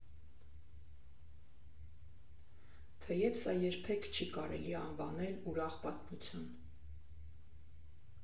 Թեև սա երբեք չի էլ կարելի անվանել ուրախ պատմություն։